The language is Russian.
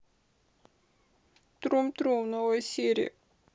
трум трум новая серия